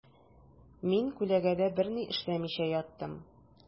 Мин күләгәдә берни эшләмичә яттым.